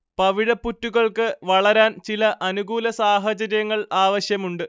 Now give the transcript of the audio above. പവിഴപ്പുറ്റുകൾക്കു വളരാൻ ചില അനുകൂല സാഹചര്യങ്ങൾ ആവശ്യമുണ്ട്